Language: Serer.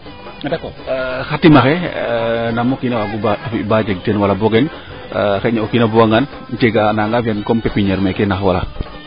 d' accord xa timaxe nam o kiina waagu fi baa jeg teen wala bogen xayna o kiina buga ngaan naanga fiyan comme pipiniere nene meeke na xoraxe